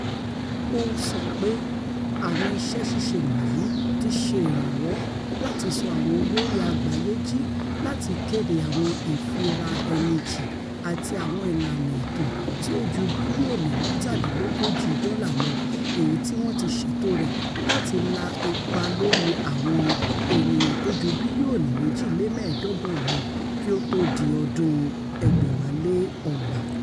Ó ńsọ pé àwọn iṣẹ́ ṣíṣe wọ̀nyí ti ṣe ìrànwọ́ láti ṣọ àwọn olóri àgbáyé ji láti kéde àwọn ìfiraẹnijìn àti àwọn ìlàna ètò tí ó ju bílíọ̀nù mẹ́tàdínlógójì dọ́là lọ èyití wọ́n ti ṣètò rẹ̀ láti la ipa lórí ayé àwọn ènìyàn tóju bílíọ̀nù 2.25 lọ kí ó tó di ọdún 2030.